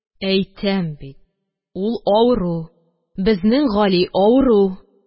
– әйтәм бит, ул авыру, безнең гали авыру